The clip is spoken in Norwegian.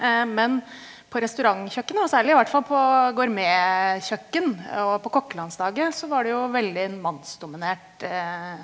men på restaurantkjøkkenet, og særlig i hvert fall på gourmetkjøkken og på kokkelandslaget så var det jo veldig mannsdominert .